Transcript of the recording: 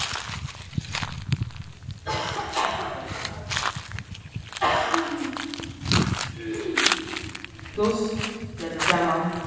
pluss leggja saman